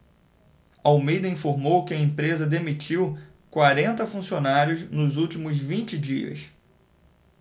almeida informou que a empresa demitiu quarenta funcionários nos últimos vinte dias